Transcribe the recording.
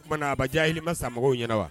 O tumaumana a ba diya hakilili sa mɔgɔw ɲɛna wa